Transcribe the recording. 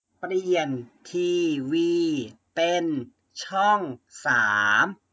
เปลี่ยนทีวีเป็นช่องสาม